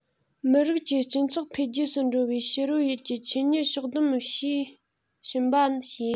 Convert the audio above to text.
མིའི རིགས ཀྱི སྤྱི ཚོགས འཕེལ རྒྱས སུ འགྲོ བའི ཕྱི རོལ ཡུལ གྱི ཆོས ཉིད ཕྱོགས བསྡོམས དཔྱིས ཕྱིན པ བྱས